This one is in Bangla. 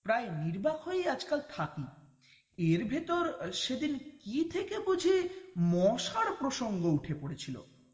প্রায় নির্বাক হয়েই আজ কাল থেকে এর ভেতর সেদিন কি থেকে বুঝি মশার প্রসঙ্গ উঠে পড়েছিল